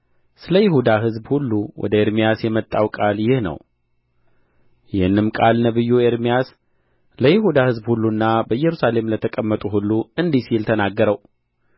ስለ ይሁዳ ሕዝብ ሁሉ ወደ ኤርምያስ የመጣው ቃል ይህ ነው ይህንም ቃል ነቢዩ ኤርምያስ ለይሁዳ ሕዝብ ሁሉና በኢየሩሳሌም ለተቀመጡ ሁሉ እንዲህ ሲል ተናገረው